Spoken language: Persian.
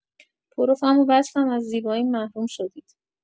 پروفمو بستم از زیباییم محروم شدید